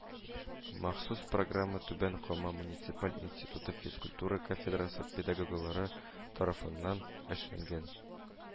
Махсус программа Түбән Кама муниципаль институты физкультура кафедрасы педагоглары тарафыннан эшләнгән